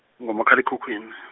ngomakhal' ekhukhwini.